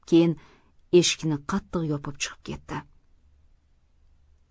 keyin eshikni qattiq yopib chiqib ketdi